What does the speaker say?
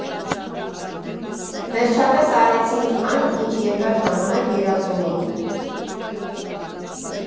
Վերջապես արեցինք այն, ինչ երկար ժամանակ երազում էինք։